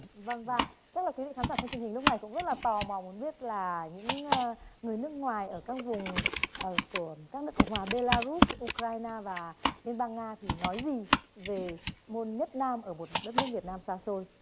vâng và chắc là quý vị khán giả xem truyền hình lúc này cũng rất là tò mò muốn biết là những người nước ngoài ở các vùng ở của các nước cộng hòa bê la rút u cờ roai la và liên bang nga thì nói gì về môn nhất nam ở một đất nước việt nam xa xôi